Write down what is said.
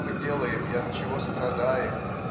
что мы делаем и от чего страдаем